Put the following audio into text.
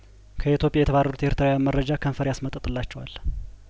ከኢትዮጵያ የተባረሩት ኤርትራውያን መረጃ ከንፈር ያስመጥጥላቸዋል